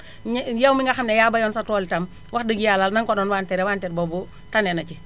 ña yow mi nga xam ne yaa bëyoon sa tool itam wax dëgg Yàlla na nga ko doon wanteeree wanteer boobu tane na ci